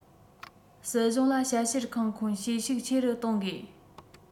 སྲིད གཞུང ལ དཔྱད བཤེར ཁང ཁུངས བྱེད ཤུགས ཆེ རུ གཏོང དགོས